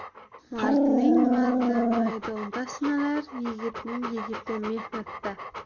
mardning mardi maydonda sinalar yigitning yigiti mehnatda